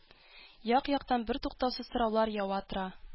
Як-яктан бертуктаусыз сораулар ява тора.